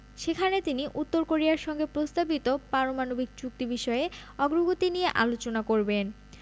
সেখানে তিনি উত্তর কোরিয়ার সঙ্গে প্রস্তাবিত পারমাণবিক চুক্তি বিষয়ে অগ্রগতি নিয়ে আলোচনা করবেন